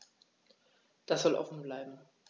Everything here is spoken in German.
Das soll offen bleiben.